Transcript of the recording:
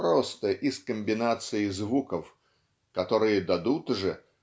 просто из комбинации звуков которые дадут же